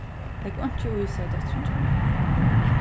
legg einki í segði dóttirin hjá mær